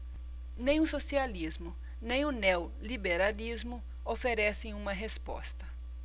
nem o socialismo nem o neoliberalismo oferecem uma resposta